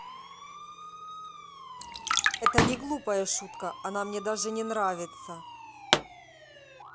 это не глупая шутка она мне даже не нравится